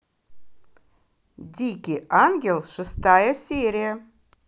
дикий ангел шестая серия